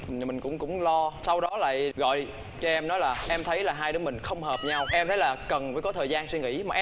mình cũng cũng lo sau đó lại gọi cho em nói là em thấy là hai đứa mình không hợp nhau em thấy là cần phải có thời gian suy nghĩ mà